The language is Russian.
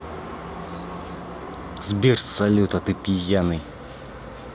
сбер салют а ты пьяный